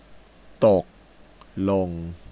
ตกลง